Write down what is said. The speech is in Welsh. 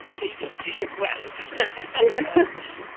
Os ei di, os ti isie gweld .